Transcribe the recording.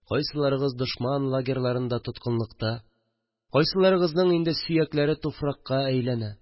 Кайсыларыгыз дошман лагерьларында тоткынлыкта, кайсыларыгызның инде сөякләре туфракка әйләнә